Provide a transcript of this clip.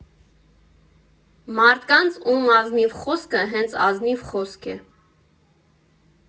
Մարդկանց, ում ազնիվ խոսքը հենց ազնիվ խոսք է։